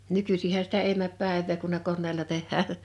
nykyisinhän sitä ei mene päivää kun ne koneella tehdään